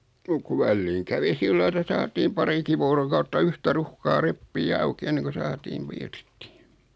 mutta kun väliin kävi sillä lailla että saatiin parikin vuorokautta yhtä ruuhkaa repiä auki ennen kuin saatiin